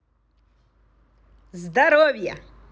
здоровье